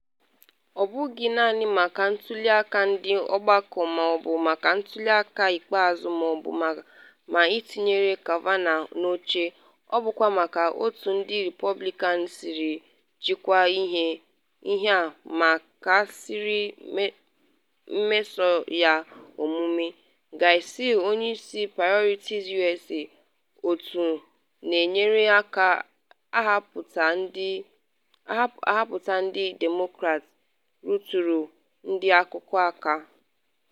“Ọ bụghị naanị maka ntuli aka ndị ọgbakọ ma ọ bụ maka ntuli aka ikpeazụ ma ọ bụ ma etinyere Kavanaugh n’oche, ọ bụkwa maka otu ndị Repọblikan siri jikwaa ihe a ma ka ha siri meso ya omume,” Guy Cecil, onye isi Priorities USA, otu na-enyere aka ahọpụta ndị Demokrat, rụtụrụ ndị akụkọ aka.